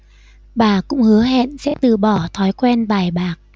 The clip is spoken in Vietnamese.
bà cũng hứa hẹn sẽ từ bỏ thói quen bài bạc